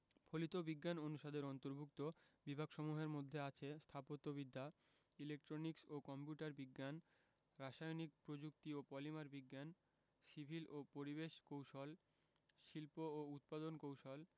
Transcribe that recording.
ফলিত বিজ্ঞান অনুষদের অন্তর্ভুক্ত বিভাগসমূহের মধ্যে আছে স্থাপত্যবিদ্যা ইলেকট্রনিক্স ও কম্পিউটার বিজ্ঞান রাসায়নিক প্রযুক্তি ও পলিমার বিজ্ঞান সিভিল ও পরিবেশ কৌশল শিল্প ও উৎপাদন কৌশল